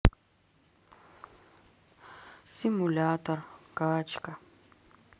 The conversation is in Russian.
симулятор качка